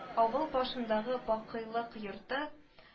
Авыл башындагы бакыйлык йорты